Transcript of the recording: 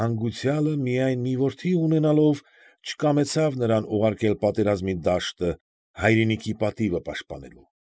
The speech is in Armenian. Հանգուցյալը միայն մի որդի ունենալով, չկամեցավ նրան ուղարկել պատերազմի դաշտը՝ հայրենիքի պատիվը պաշտպանելու։